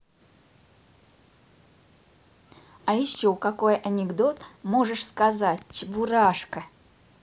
а еще какой анекдот можешь сказать чебурашка